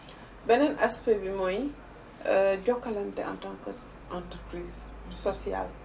beneen aspect bi mooy Jokalante en tant que entreprise sociale